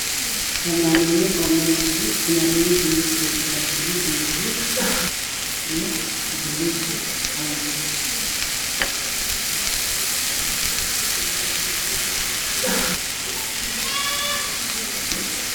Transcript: Fanaanado meel saaran oo ah mid cad iyo mid cadeys ah